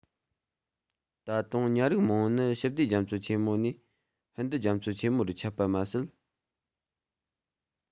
ད དུང ཉ རིགས མང པོ ནི ཞི བདེ རྒྱ མཚོ ཆེན མོ ནས ཧིན རྡུ རྒྱ མཚོ ཆེན མོ རུ ཁྱབ པ མ ཟད